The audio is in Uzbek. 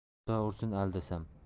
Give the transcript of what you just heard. xudo ursin aldasam